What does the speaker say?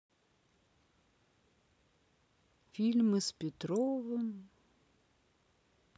фильмы с петровым